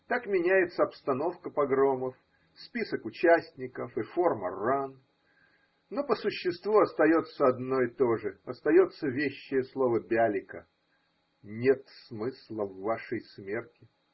Так меняется обстановка погромов, список участников и форма ран, но по существу остается одно и то же – остается вещее слово Бялика: нет смысла в вашей смерти.